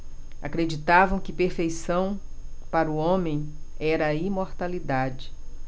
acreditavam que perfeição para o homem era a imortalidade